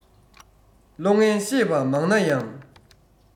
བློ ངན ཤེས པ མང ན ཡང